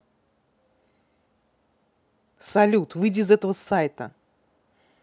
салют выйди из этого сайта